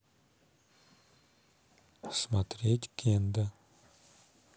смотреть кенда